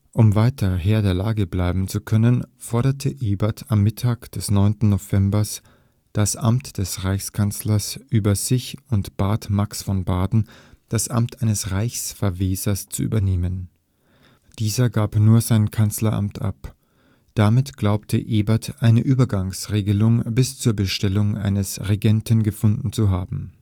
Um weiter Herr der Lage bleiben zu können, forderte Ebert am Mittag des 9. November das Amt des Reichskanzlers für sich und bat Max von Baden, das Amt eines Reichsverwesers zu übernehmen. Dieser gab nur sein Kanzleramt ab. Damit glaubte Ebert, eine Übergangsregelung bis zur Bestellung eines Regenten gefunden zu haben